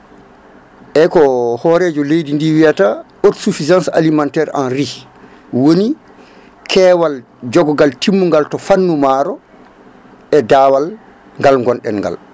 eyyi ko horejo leydi ndi wiyata autosuffisance alimentaire en riz woni keewal jogogal timmugal to fannu maaro e daawal nga gonɗen gal